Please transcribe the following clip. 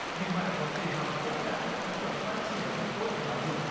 vì bạn có thể học tất cả các kỹ thuật phát triển rất tốt cho giáo dục